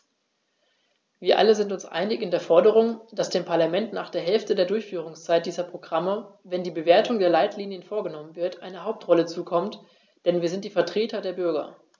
Wir alle sind uns einig in der Forderung, dass dem Parlament nach der Hälfte der Durchführungszeit dieser Programme, wenn die Bewertung der Leitlinien vorgenommen wird, eine Hauptrolle zukommt, denn wir sind die Vertreter der Bürger.